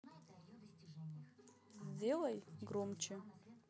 сделай громче